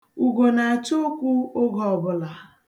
Ugo na-achọ okwu oge ọbụla.